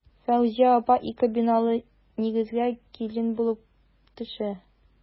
Фәүзия апа ике бианайлы нигезгә килен булып төшә.